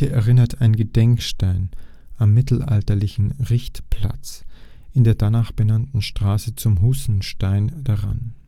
erinnert ein Gedenkstein am mittelalterlichen Richtplatz in der danach benannten Straße Zum Hussenstein daran